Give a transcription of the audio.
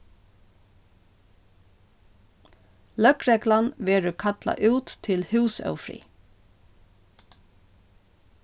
løgreglan verður kallað út til húsófrið